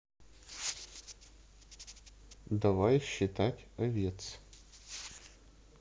давай считать овец